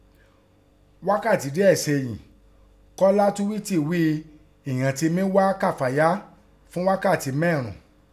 Wákàtí díẹ̀ sẹêyìn, Kọ́lá túwíìtì ghí i ighọn ti mi ghá Kàfáyá ún ghákàtí mẹ́rùn ún: